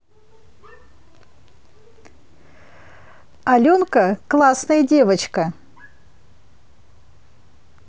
аленка классная девочка